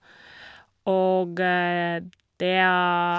Og det er...